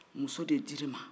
muso de dir'i ma